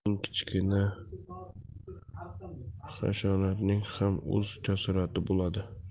eng kichkina hasharotning ham o'z jasorati bo'ladi